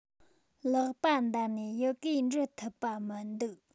ལག པ འདར ནས ཡི གེ འབྲི ཐུབ པ པ མི འདུག